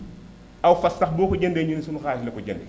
aw fas sax boo ko jëndee ñu ne sunu nxaalis la ko jëndee